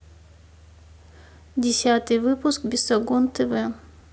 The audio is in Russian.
десятый выпуск бесогон тв